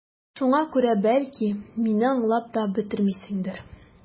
Шуңа күрә, бәлки, мине аңлап та бетермисеңдер...